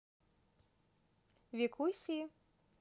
викуси